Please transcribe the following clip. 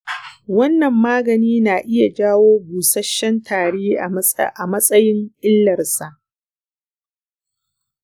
wannan magani na iya jawo busasshen tari a matsayin illarsa.